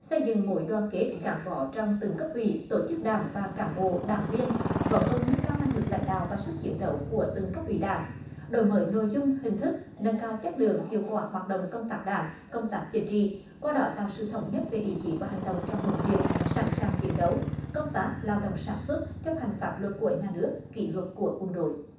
xây dựng mối đoàn kết gắn bó trong từng cấp ủy tổ chức đảng và cán bộ đảng viên góp phần nâng cao năng lực lãnh đạo và sức chiến đấu của từng cấp ủy đảng đổi mới nội dung hình thức nâng cao chất lượng hiệu quả hoạt động công tác đảng công tác chính trị qua đó tạo sự thống nhất về ý chí và hành động trong huấn luyện sẵn sàng chiến đấu công tác lao động sản xuất chấp hành pháp luật của nhà nước kỷ luật của quân đội